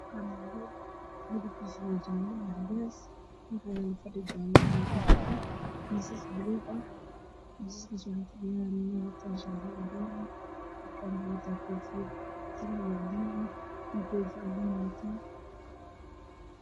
Wuxuul waxa ay caalamiyay miisaaska midabkooda waa bilow iyo ku raasmaan guduud ah waxaa jooga niman nimanka qaar waxay qabaan dhar cadaan buluug koofiyoolo